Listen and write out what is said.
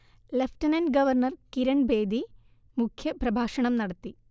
lieutenant governor Kiran Bedi മുഖ്യ പ്രഭാഷണം നടത്തി